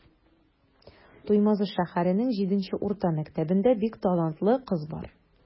Туймазы шәһәренең 7 нче урта мәктәбендә бик талантлы кыз бар.